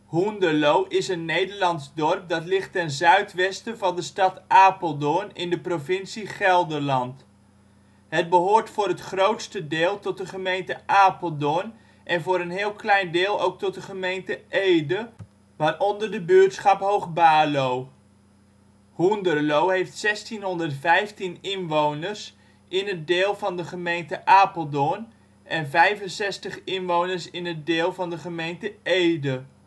Hoenderloo is een Nederlands dorp dat ligt ten zuidwesten van de stad Apeldoorn in de provincie Gelderland. Het behoort voor het grootste deel tot de gemeente Apeldoorn en voor een heel klein deel ook tot de gemeente Ede, waaronder de buurtschap Hoog-Baarlo. Hoenderloo heeft 1615 inwoners in het deel van de gemeente Apeldoorn en 65 inwoners in het deel van de gemeente Ede